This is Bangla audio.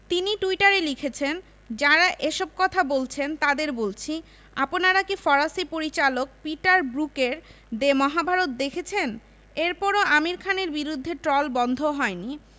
তিনি টুইটারে লিখেছেন যাঁরা এসব কথা বলছেন তাঁদের বলছি আপনারা কি ফরাসি পরিচালক পিটার ব্রুকের “দ্য মহাভারত” দেখেছেন এরপরও আমির খানের বিরুদ্ধে ট্রল বন্ধ হয়নি